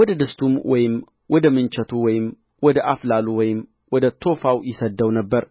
ወደ ድስቱም ወይም ወደ ምንቸቱ ወይም ወደ አፍላሉ ወይም ወደ ቶፋው ይሰድድው ነበር